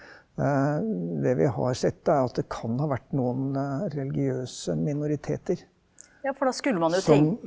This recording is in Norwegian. det vi har sett er at det kan ha vært noen religiøse minoriteter som.